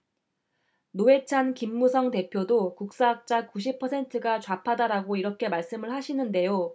노회찬 김무성 대표도 국사학자 구십 퍼센트가 좌파다라고 이렇게 말씀을 하시는데요